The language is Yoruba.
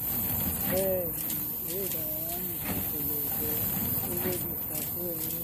Bẹ́ẹ̀ ni, eré ìdárayá nìkan kò le yọ orílẹ̀-èdè kan kúrò nínú ìṣẹ́.